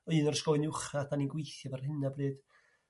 Ma' un o'r ysgolion uwchradd 'dan ni gw'ithio 'fo ar hyn o bryd